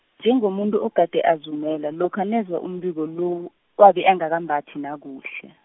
njengomuntu ogade azumela, lokha nezwa umbiko lo, wabe angakambathi nakuhle.